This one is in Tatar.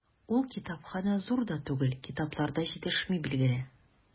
Ул китапханә зур да түгел, китаплар да җитешми, билгеле.